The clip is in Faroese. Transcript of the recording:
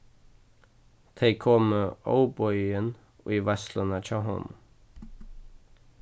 tey komu óboðin í veitsluna hjá honum